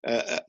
yy yy